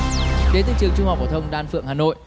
đến từ trường trung học phổ thông đan phượng hà nội